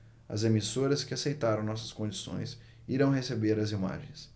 as emissoras que aceitaram nossas condições irão receber as imagens